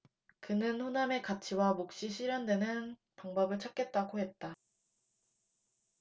그는 호남의 가치와 몫이 실현되는 방법을 찾겠다고 했다